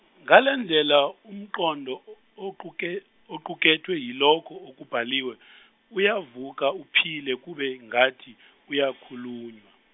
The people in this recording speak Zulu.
ngalendlela umqondo o- oquke- oqukethwe yilokho okubhaliwe , uyavuka uphile ubengathi uyakhulunywa.